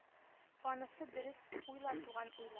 Анысы дөрес уйла туган уйла